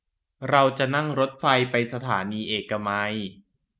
เราจะนั่งรถไฟไปสถานีเอกมัย